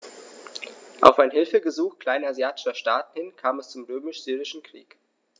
Auf ein Hilfegesuch kleinasiatischer Staaten hin kam es zum Römisch-Syrischen Krieg.